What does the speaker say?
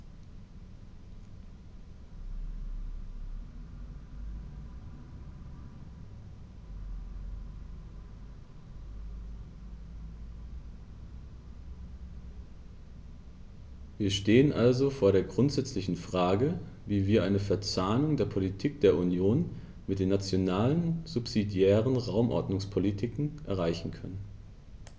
Wir stehen also vor der grundsätzlichen Frage, wie wir eine Verzahnung der Politik der Union mit den nationalen subsidiären Raumordnungspolitiken erreichen können.